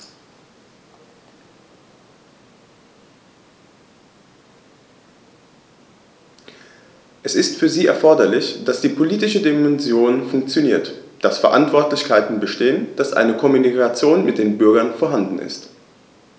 Es ist für sie erforderlich, dass die politische Dimension funktioniert, dass Verantwortlichkeiten bestehen, dass eine Kommunikation mit den Bürgern vorhanden ist.